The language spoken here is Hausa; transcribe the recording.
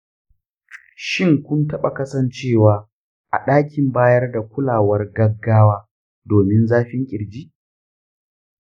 shin kun taɓa kasancewa a ɗakin bayar da kulawar gaggawa domin zafin ƙirji?